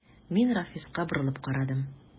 Мин Рафиска борылып карадым.